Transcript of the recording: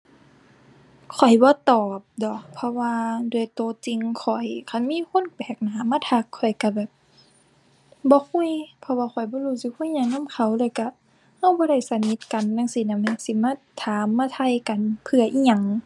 ข้อยบ่ตอบดอก เพราะว่าด้วยตัวจริงข้อย คันมีคนแปลกหน้ามาทักข้อยตัวแบบ บ่คุย เพราะว่าข้อยบ่รู้จะคุยหยังนำเขา แล้วตัวตัวบ่ได้สนิทกันจั่งซี้นะแหม สิมาถามมาไถ่กันเพื่ออิหยัง